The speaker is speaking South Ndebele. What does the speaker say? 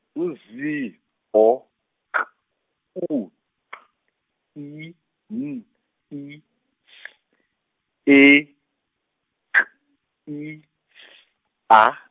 ngu Z, O, K, U, Q, I, N, I, S, E, K, I, S, A.